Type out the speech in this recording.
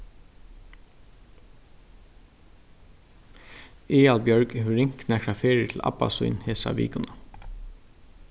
aðalbjørg hevur ringt nakrar ferðir til abba sín hesa vikuna